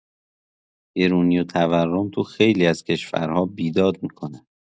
گرونی و تورم تو خیلی از کشورها بیداد می‌کنه.